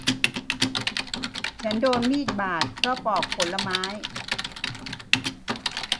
ฉันโดนมีดบาดเพราะปอกผลไม้